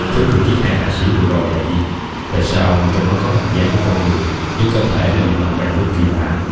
thứ vừa giết hai hạ sĩ vừa rồi là gì tại sao trông nó có hình dáng của con người nhưng cơ thể lại bị vặn vẹo đến kì lạ